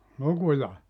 lukuja